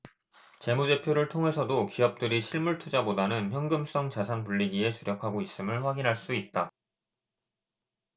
재무제표를 통해서도 기업들이 실물투자보다는 현금성 자산 불리기에 주력하고 있음을 확인할 수 있다